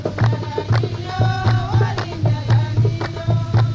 sanunɛgɛnin yo warinɛgɛnin yo